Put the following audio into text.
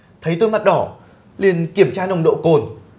thấy tôi mặt đỏ liền kiểm tra nồng độ cồn